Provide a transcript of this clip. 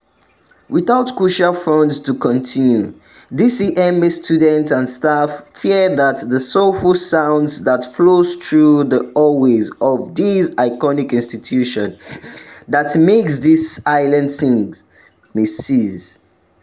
Without crucial funds to continue, DCMA students and staff fear that the soulful sounds that flow through the hallways of this iconic institution that make these islands sing — may cease.